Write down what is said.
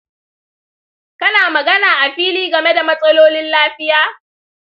kana magana a fili game da matsalolin lafiya?